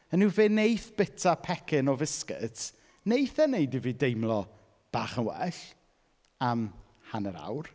Hynny yw fe wneith byta pecyn o fisgets, wneith e wneud i fi deimlo bach yn well am hanner awr.